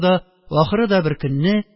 Ахырда беркөнне